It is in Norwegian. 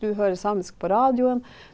du hører samisk på radioen.